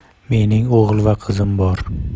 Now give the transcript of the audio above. mening o'g'il va qizim bor